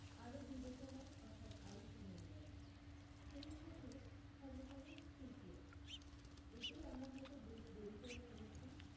আরো বিবেচনা অর্থাৎ আরো সময়ব্যয় সেইসঙ্গে ক্ষণে ক্ষণে থ্রি চিয়ার্স একেই আমরা হয়ত বেশ দেরি করে ফেলেছি